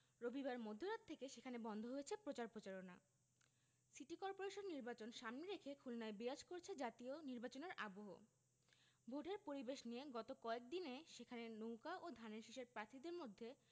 রবিবার মধ্যরাত থেকে সেখানে বন্ধ হয়েছে প্রচার প্রচারণা সিটি করপোরেশন নির্বাচন সামনে রেখে খুলনায় বিরাজ করছে জাতীয় নির্বাচনের আবহ ভোটের পরিবেশ নিয়ে গত কয়েক দিনে সেখানে নৌকা ও ধানের শীষের প্রার্থীর মধ্যে